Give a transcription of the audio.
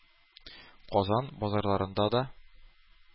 Казан базарларында да